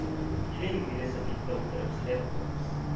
keling velosipedda o'tirib sayr qilamiz